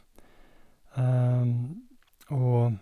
Og...